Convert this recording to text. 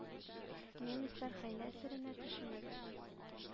Немецлар хәйлә серенә төшенеп,